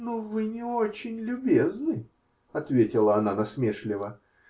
-- Ну, вы не очень любезны, -- ответила она насмешливо.